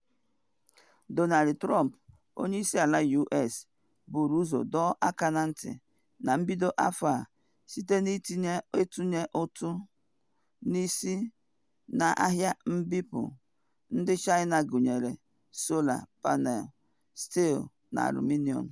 Donald Trump, Onye isi ala US, buru ụzọ dọọ aka na ntị na mbido afọ a site na itinye ụtụ isi na ahịa mbupu ndị China gụnyere sọla panel, steel na aluminium.